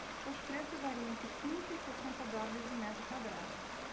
os preços variam entre quinze e sessenta dólares o metro quadrado